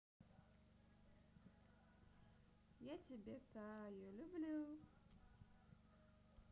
я тебя таю люблю